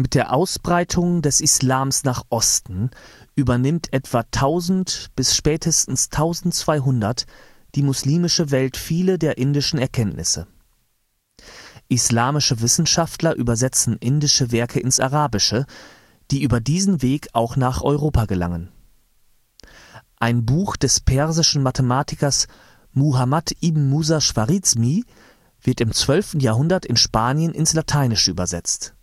der Ausbreitung des Islams nach Osten übernimmt um etwa 1000 bis spätestens 1200 die muslimische Welt viele der indischen Erkenntnisse, islamische Wissenschaftler übersetzen indische Werke ins Arabische, die über diesen Weg auch nach Europa gelangen. Ein Buch des persischen Mathematikers Muhammad ibn Musa Chwarizmi wird im 12. Jahrhundert in Spanien ins Lateinische übersetzt